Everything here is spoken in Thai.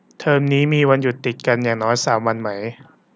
เทอมนี้มีวันหยุดติดกันอย่างน้อยสามวันไหม